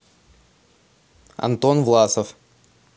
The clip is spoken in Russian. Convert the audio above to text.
антон власов